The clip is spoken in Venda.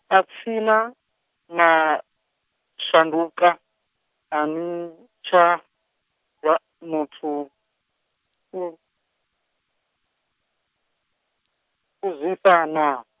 atsina, na, shanduka, ani tsha, vha muthu, u-, uzwifha naa?